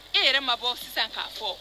E yɛrɛ ma bɔ sisan k'a fɔ